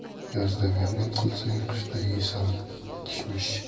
yozda mehnat qilsang qishda yeysan kishmish